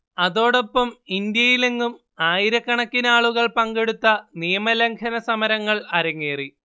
അതോടൊപ്പം ഇന്ത്യയിൽ എങ്ങും ആയിരക്കണക്കിനാളുകൾ പങ്കെടുത്ത നിയമലംഘന സമരങ്ങൾ അരങ്ങേറി